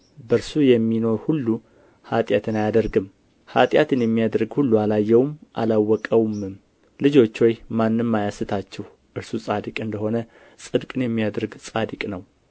በእርሱ የሚኖር ሁሉ ኃጢአትን አያደርግም ኃጢአትን የሚያደርግ ሁሉ አላየውም አላወቀውምም ልጆች ሆይ ማንም አያስታችሁ እርሱ ጻድቅ እንደ ሆነ ጽድቅን የሚያደርግ ጻድቅ ነው